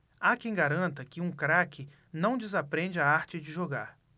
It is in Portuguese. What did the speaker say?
há quem garanta que um craque não desaprende a arte de jogar